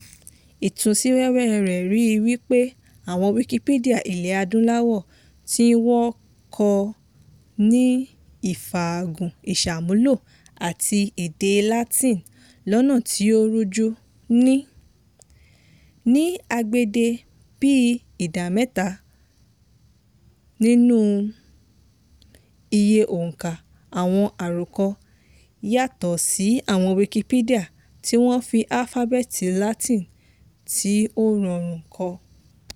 Ìtú sí wẹ́wẹ́ rẹ̀ ríi wípé àwọn Wikipedia ilẹ̀ Adúláwò "tí wọ́n kọ ní ìfàgùn ìsàmúlò àti èdè Latin lọ́nà tí ó rújú [ní] ní agbede bíi ìdá mẹ́ta nínú iye òǹkà àwọn àròkọ" yàtọ̀ sí àwọn Wikipedia tí wọ́n fi álífábẹ́ẹ́tì Latin tí ó rọrùn kọ.